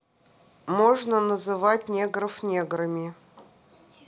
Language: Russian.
можно называть негров неграми